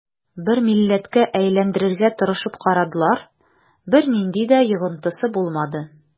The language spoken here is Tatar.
Бер милләткә әйләндерергә тырышып карадылар, бернинди дә йогынтысы булмады.